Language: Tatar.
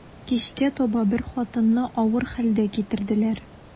Кичкә таба бер хатынны авыр хәлдә китерделәр.